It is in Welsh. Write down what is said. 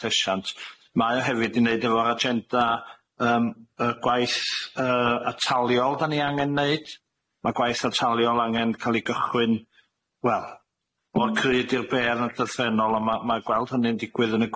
llesiant mae o hefyd i neud efo'r agenda yym y gwaith yy ataliol 'dan ni angen neud ma' gwaith ataliol angen ca'l 'i gychwyn wel or cryd i'r bedd yn gyffredinol a ma' ma' gweld hynny'n digwydd yn y